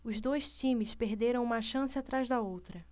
os dois times perderam uma chance atrás da outra